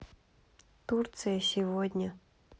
турция сегодня